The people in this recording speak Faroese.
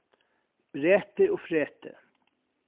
breti og freti